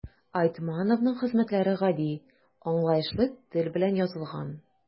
Айтматовның хезмәтләре гади, аңлаешлы тел белән язылган.